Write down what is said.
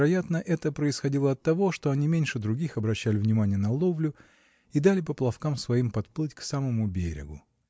вероятно, это происходило оттого, что они меньше других обращали внимания на ловлю и дали поплавкам своим подплыть к самому берегу.